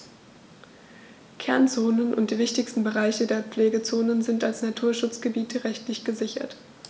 Kernzonen und die wichtigsten Bereiche der Pflegezone sind als Naturschutzgebiete rechtlich gesichert.